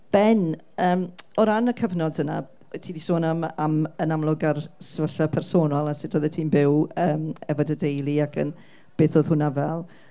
Ben, yym o ran y cyfnod yna, ti 'di sôn am am yn amlwg yr sefyllfa personol a sut oeddet ti'n byw yym efo dy deulu ac yn beth oedd hwnna fel.